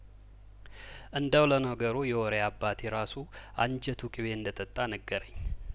እንደው ለነገሩ የወሬ አባቴ ራሱ አንጀቱ ቅቤ እንደጠጣ ነገረኝ